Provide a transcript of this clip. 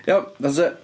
Iawn, that's it.